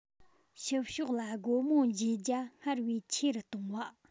ཕྱི ཕྱོགས ལ སྒོ མོ འབྱེད རྒྱ སྔར བས ཆེ རུ གཏོང བ